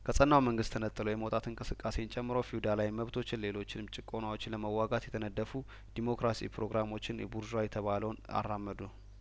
ከጸናው መንግስት ተነጥሎ የመውጣትን እንቅስቃሴ ጨምሮ ፊውዳላዊ መብቶችን ሌሎችንም ጭቆናዎችን ለመዋጋት የተነደፉ ዴሞክራሲ ፕሮግራሞችን የቡርዥዋ የተባለውን አራመዱ